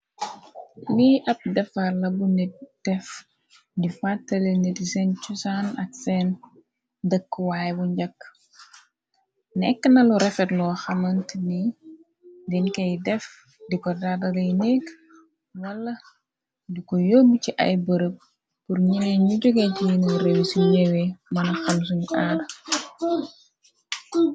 Lii ab defar la bu nit def di vattale nit zen cusaan. Ak seen dëkk waay bu njakk nekk na lu refet. Loo xamant ni dinkay def di ko daaraliy nekk wala di ko yóbb ci ay bërëb. Pur ñine ñu joge diinu réw si ñeewe mëna xam sunu aara.